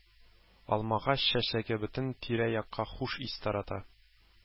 Алмагач чәчәге бөтен тирә-якка хуш ис тарата.